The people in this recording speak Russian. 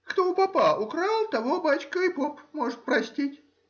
Кто у попа украл, того, бачка, и поп может простить.